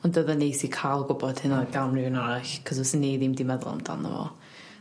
ond o'dd yn neis i ca'l gwbod hynna gan rywun arall 'c'os fyswn ni ddim 'di meddwl amdano fo.